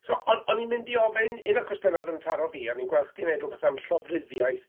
So, o'n o'n i'n mynd i ofyn, un o'r cwestiynau oedd yn taro fi, o'n i'n gweld chdi'n wneud rywbeth am llofruddiaeth...